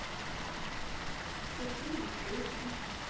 купить брюки